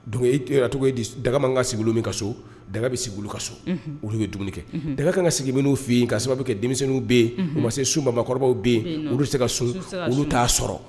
Donc e te a tɔgɔ ye di s daga maan ka sigi olu min ka so daga be sig'ulu ka so unhun olu be dumuni kɛ unhun daga kaan ka sigi minnu fe ye k'a sababu kɛ denmisɛnninw be ye unhun u ma se sun ma maakɔrɔbaw be ye olu te se ka sun olu t'a sɔrɔ